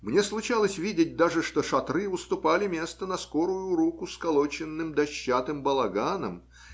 Мне случалось видеть даже, что шатры уступали место на скорую руку сколоченным дощатым балаганам.